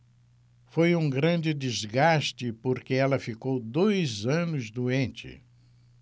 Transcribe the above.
foi um grande desgaste porque ela ficou dois anos doente